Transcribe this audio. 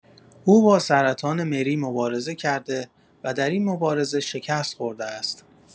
او با سرطان مری مبارزه کرده و در این مبارزه شکست‌خورده است.